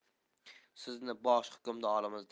sizni bosh hukmdorimiz